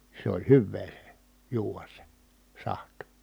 se oli hyvää se juoda se sahti